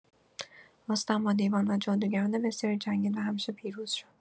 رستم با دیوان و جادوگران بسیاری جنگید و همیشه پیروز شد.